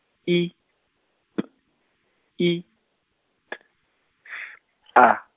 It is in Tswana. I P I K G A.